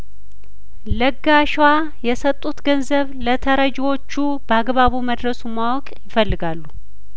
ለጋሿ የሰጡት ገንዘብ ለተረጂዎቹ ባግበቡ መድረሱን ማወቅ ይፈልጋሉ